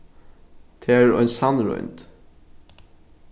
tað er ein sannroynd